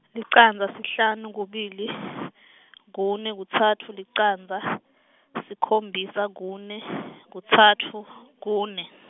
licandza, sihlanu, kubili , kune, kutsatfu, licandza , sikhombisa, kune, kutsatfu, kune.